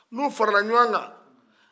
ni u farala ɲɔgɔn kan